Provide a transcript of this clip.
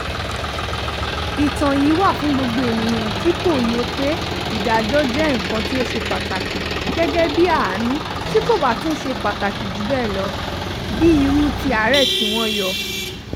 Ìtàn yìí wà fún gbogbo ènìyàn tí kò yé pé ìdájọ́ jẹ́ nǹkan tí ó ṣe pàtàkì, gẹ́gẹ́ bíi àánú - tí kò bá tún ṣe pàtàkì jù bẹ́ẹ̀ lọ, bíi irú tí ààrẹ tí wọ́n yọ.